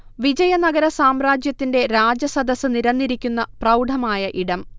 വിജയ നഗര സാമ്രാജ്യത്തിന്റെ രാജസദസ്സ് നിരന്നിരിക്കുന്ന പ്രൗഢമായ ഇടം